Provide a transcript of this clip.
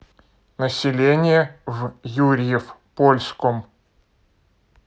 население в юрьев польском